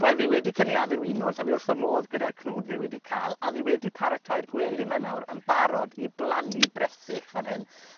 Wel, fi wedi cynaeafu'r winwns, a fi wrth 'ym modd gyda'r cnwd fi wedi ca'l a fi wedi paratoi'r gwely 'ma nawr yn barod i blannu bresych fan hyn.